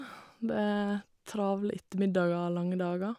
Det er travle ettermiddager og lange dager.